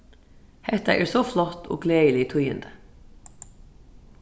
hetta eru so flott og gleðilig tíðindi